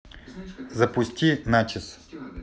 запусти начес